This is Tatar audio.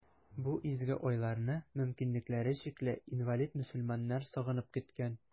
Бу изге айларны мөмкинлекләре чикле, инвалид мөселманнар сагынып көткән.